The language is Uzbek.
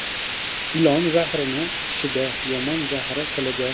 ilon zahri tishida yomon zahri tilida